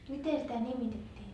miten sitä nimitettiin